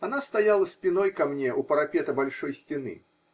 Она стояла спиной ко мне у парапета большой стены.